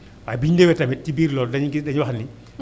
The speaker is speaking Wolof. waaye bi ñu demee tamit ci biir loolu dañuy génne yoo xam ni